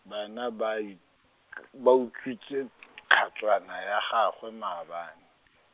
bana bai- , ba utswitse , tlhatswana ya gagwe maabane.